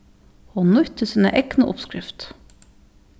hon nýtti sína egnu uppskrift